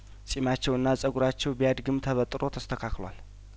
ጺማቸውና ጹጉራቸው ቢያድግም ተበጥሮ ተስተካክሏል